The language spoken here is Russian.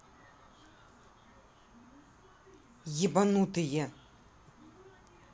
ебанутые